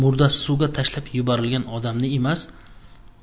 murdasi suvga tashlab yuborilgan odamni emas